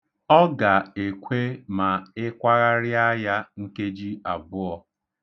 Ọ ga-ekwe ma ị kwagharịa ya nkeji abụọ.